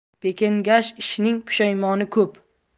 bekengash ishning pushaymoni ko'p